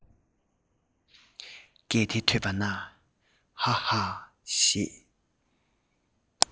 སྐད དེ ཐོས པ ན ཧ ཧ ཞེས